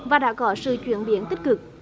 và đã có sự chuyển biến tích cực